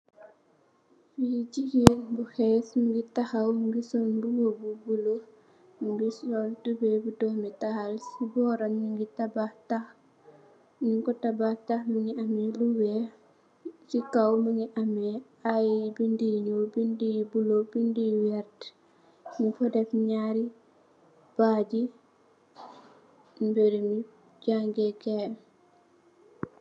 Lii gigain bu khess mungy takhaw mungy sol mbuba bu bleu, mungy sol tubeiyy bu dormi taal, cii bohram njungy tabakh taah, njung kor tabakh taah mungy ameh lu wekh, cii kaw mungy ameh aiiy bindu yu njull, bindu yu bleu, bindu yu wehrtt, njung fa def njaari badjie mbirumi jaangeh kaii.